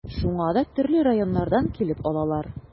Шуңа да төрле районнардан килеп алалар.